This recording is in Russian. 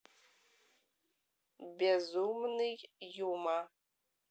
безумный юма